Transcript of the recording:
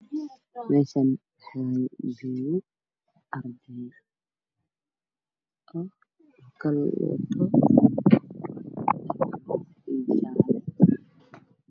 Meeshaan waxaa joogo arday kala wadata dhar kala duwan oo wax baranaya